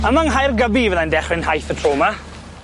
Yng Nghaergybi fyddai'n dechre'n nhaith y tro yma.